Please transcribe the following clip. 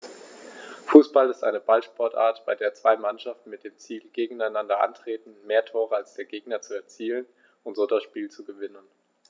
Fußball ist eine Ballsportart, bei der zwei Mannschaften mit dem Ziel gegeneinander antreten, mehr Tore als der Gegner zu erzielen und so das Spiel zu gewinnen.